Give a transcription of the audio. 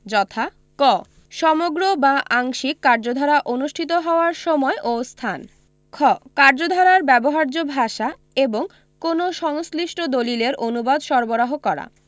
যথা ক সমগ্র বা আংশিক কার্যধারা অনুষ্ঠিত হওয়ার সময় ও স্থান খ কার্যধারার ব্যবহার্য ভাষা এবং কোন সংশ্লিষ্ট দলিলের অনুবাদ সরবরাহ করা